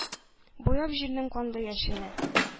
Буяп җирнең канлы яшенә,